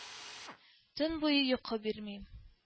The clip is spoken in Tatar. Төн буе йокы бирмим